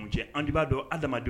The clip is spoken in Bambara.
Cɛ an b'a dɔn ha adamadamadenw